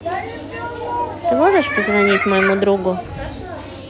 ты можешь позвонить моему другу